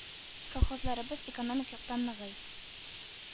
Колхозларыбыз экономик яктан ныгый.